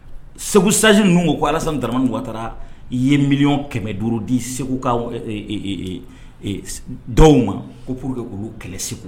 Segu sages ninnu ko ko Alasani Daramani i ye miliyɔn kɛmɛ duuru di segu kaw, dɔw ma ko pour que k'olu kɛlɛ Segu